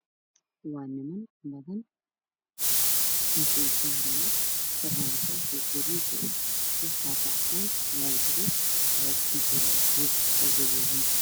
Waa niman badan ninka ugu soo horreeyo waxa uu wataansha tacagaar sual madoobe niman kalaa ka dambeeyo waxaana ka sii danbeeyay guri